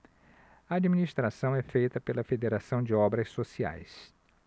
a administração é feita pela fos federação de obras sociais